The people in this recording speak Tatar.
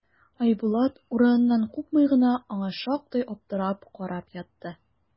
Айбулат, урыныннан купмый гына, аңа шактый аптырап карап ятты.